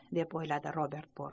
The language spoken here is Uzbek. deb o'yladi robert bork